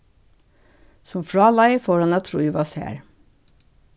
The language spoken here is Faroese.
sum frá leið fór hann at trívast har